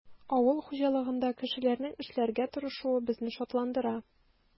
Авыл хуҗалыгында кешеләрнең эшләргә тырышуы безне шатландыра.